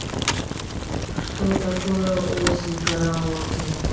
что такое осень караоке